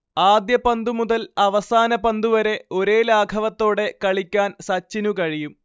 ആദ്യ പന്തുമുതൽ അവസാന പന്തുവരെ ഒരേ ലാഘവത്തോടെ കളിക്കാൻ സച്ചിനു കഴിയും